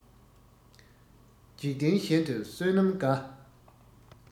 འཇིག རྟེན གཞན དུ བསོད ནམས དགའ